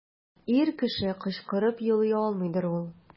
Ир кеше кычкырып елый алмыйдыр ул.